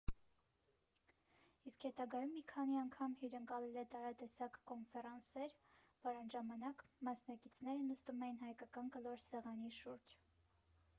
Իսկ հետագայում մի քանի անգամ հյուրընկալել է տարատեսակ կոնֆերանսեր, որոնց ժամանակ մասնակիցները նստում էին հսկայական կլոր սեղանի շուրջ։